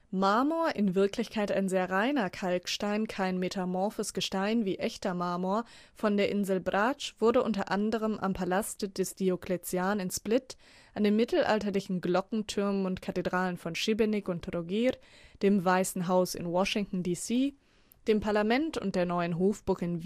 Marmor (in Wirklichkeit ein sehr reiner Kalkstein, kein metamorphes Gestein wie echter Marmor) von der Insel Brač wurde unter anderem am Palast des Diokletian in Split, an den mittelalterlichen Glockentürmen und Kathedralen von Šibenik und Trogir, dem Weißen Haus in Washington, D.C., dem Parlament und der Neuen Hofburg in Wien